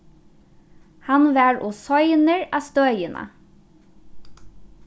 hann var ov seinur á støðina